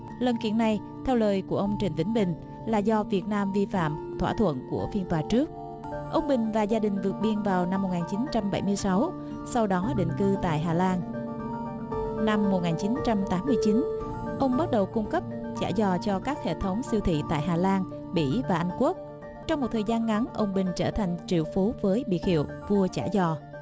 lần kiện này theo lời của ông trịnh vĩnh bình là do việt nam vi phạm thỏa thuận của phiên tòa trước ông bình và gia đình vượt biên vào năm một ngàn chín trăm bảy mươi sáu sau đó định cư tại hà lan năm một ngàn chín trăm tám mươi chín ông bắt đầu cung cấp chả giò cho các hệ thống siêu thị tại hà lan bỉ và anh quốc trong một thời gian ngắn ông bình trở thành triệu phú với biệt hiệu vua chả giò